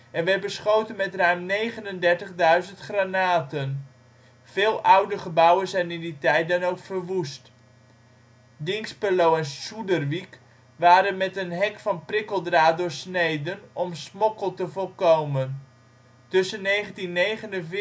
en werd beschoten met ruim 39 duizend graten. Veel oude gebouwen zijn in die tijd dan ook verwoest. Dinxperlo en Suderwick waren met een hek van prikkeldraad doorsneden, om smokkel te voorkomen. Tussen 1949 en 1963